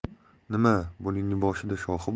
nima buningni boshida shoxi